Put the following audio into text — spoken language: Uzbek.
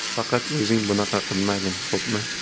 faqat o'zing bunaqa qilmagin xo'pmi